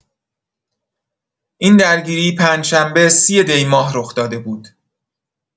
این درگیری پنجشنبه ۳۰ دی‌ماه رخ‌داده بود.